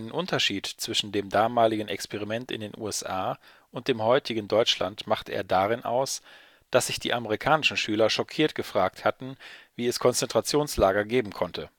Unterschied zwischen dem damaligen Experiment in den USA und dem heutigen Deutschland machte er darin aus, dass sich die amerikanischen Schüler schockiert gefragt hatten, wie es Konzentrationslager geben konnte